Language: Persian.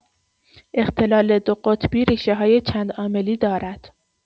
اختلال دوقطبی ریشه‌های چندعاملی دارد.